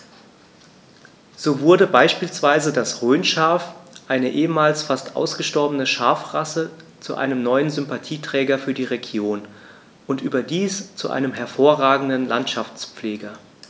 So wurde beispielsweise das Rhönschaf, eine ehemals fast ausgestorbene Schafrasse, zu einem neuen Sympathieträger für die Region – und überdies zu einem hervorragenden Landschaftspfleger.